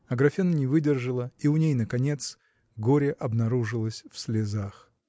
Аграфена не выдержала: и у ней, наконец, горе обнаружилось в слезах.